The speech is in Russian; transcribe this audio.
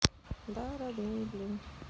да родные блин